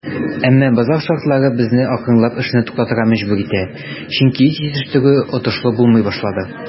Әмма базар шартлары безне акрынлап эшне туктатырга мәҗбүр итә, чөнки ит җитештерү отышлы булмый башлады.